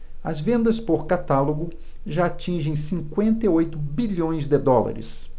as vendas por catálogo já atingem cinquenta e oito bilhões de dólares